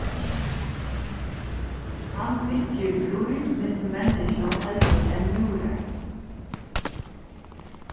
hann byggir brýr millum menniskju heldur enn múrar